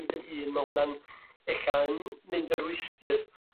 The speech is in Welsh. mynd yn hŷn ma' hwnna'n e'lla' yn mynd yn rwystr yrm